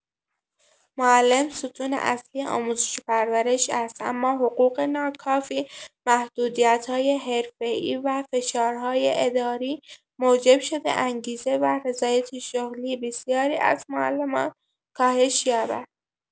معلم ستون اصلی آموزش و پرورش است، اما حقوق ناکافی، محدودیت‌های حرفه‌ای و فشارهای اداری موجب شده انگیزه و رضایت شغلی بسیاری از معلمان کاهش یابد.